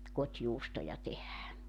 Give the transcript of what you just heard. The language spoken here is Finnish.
kotijuustoja tehdään